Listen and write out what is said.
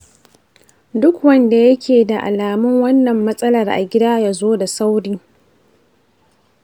duk wanda yakeda alamun wannan matsalar a gida yazo da sauri.